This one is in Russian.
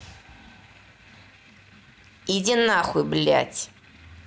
иди нахуй блядь